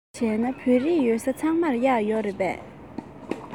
བྱས ན བོད རིགས ཡོད ས ཚང མར གཡག ཡོད རེད པས